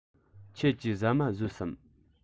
ཁྱེད ཀྱིས ཟ མ ཟོས སམ